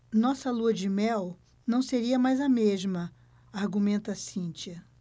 nossa lua-de-mel não seria mais a mesma argumenta cíntia